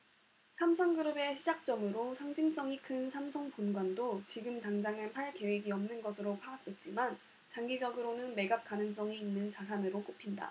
삼성그룹의 시작점으로 상징성이 큰 삼성본관도 지금 당장은 팔 계획이 없는 것으로 파악됐지만 장기적으로는 매각 가능성이 있는 자산으로 꼽힌다